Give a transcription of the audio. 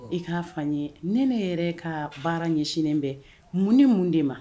I k'a f'an ɲe Nɛnɛ yɛrɛ kaa baara ɲɛsinen bɛ mun ni mun de ma